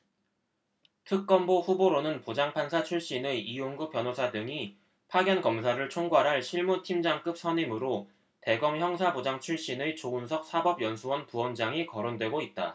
특검보 후보로는 부장판사 출신의 이용구 변호사 등이 파견검사를 총괄할 실무 팀장급 선임으로 대검 형사부장 출신의 조은석 사법연수원 부원장이 거론되고 있다